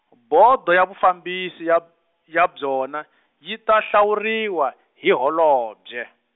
Bodo ya Vafambisi ya b-, ya byona yi ta hlawuriwa, hi holobye.